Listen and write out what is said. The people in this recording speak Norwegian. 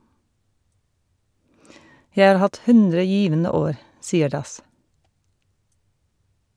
- Jeg har hatt 100 givende år, sier Das.